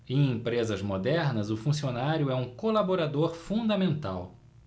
em empresas modernas o funcionário é um colaborador fundamental